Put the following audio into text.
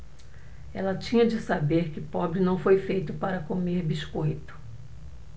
ela tinha de saber que pobre não foi feito para comer biscoito